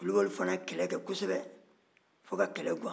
kulubaliw fana ye kɛlɛ kɛ kosɛbɛ ka kɛlɛ gan